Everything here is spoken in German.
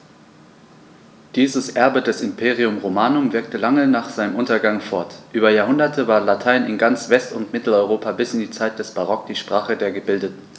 Dieses Erbe des Imperium Romanum wirkte lange nach seinem Untergang fort: Über Jahrhunderte war Latein in ganz West- und Mitteleuropa bis in die Zeit des Barock die Sprache der Gebildeten.